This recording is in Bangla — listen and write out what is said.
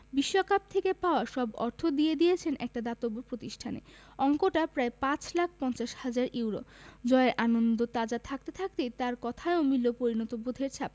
বিশ্বকাপ থেকে পাওয়া সব অর্থ দিয়ে দিয়েছেন একটা দাতব্য প্রতিষ্ঠানে অঙ্কটা প্রায় ৫ লাখ ৫০ হাজার ইউরো জয়ের আনন্দ তাজা থাকতে থাকতেই তাঁর কথায়ও মিলল পরিণতিবোধের ছাপ